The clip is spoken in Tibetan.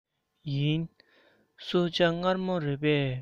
ཡིན གསོལ ཇ མངར མོ རེད པས